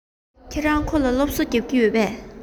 ཁྱེད རང གིས ཁོ ལ སློབ གསོ རྒྱག གི ཡོད པས